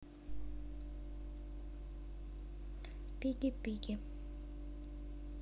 пиги пиги